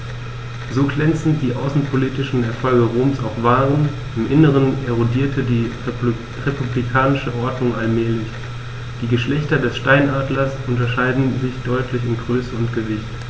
So glänzend die außenpolitischen Erfolge Roms auch waren: Im Inneren erodierte die republikanische Ordnung allmählich. Die Geschlechter des Steinadlers unterscheiden sich deutlich in Größe und Gewicht.